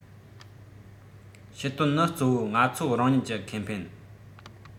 བྱེད དོན ནི གཙོ བོ ང ཚོ རང ཉིད ཀྱི ཁེ ཕན